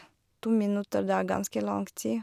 To minutter, det er ganske lang tid.